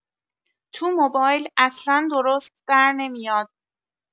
تو موبایل اصلا درست در نمیاد